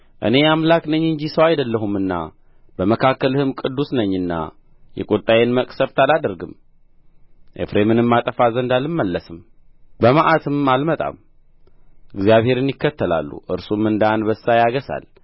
እኔ አምላክ ነኝ እንጂ ሰው አይደለሁምና በመካከልህም ቅዱሱ ነኝና የቁጣዬን መቅሠፍት አላደርግም ኤፍሬምንም አጠፋ ዘንድ አልመለስም በመዓትም አልመጣም እግዚአብሔርን ይከተላሉ እርሱም እንደ አንበሳ ያገሣል